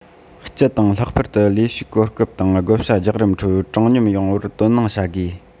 སྤྱི དང ལྷག པར དུ ལས ཞུགས གོ སྐབས དང བགོ བཤའ རྒྱག རིམ ཁྲོད དྲང སྙོམས ཡོང བར དོ སྣང བྱ དགོས